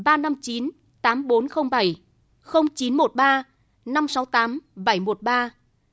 ba năm chín tám bốn không bảy không chín một ba năm sáu tám bảy một ba